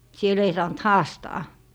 siellä ei saanut haastaa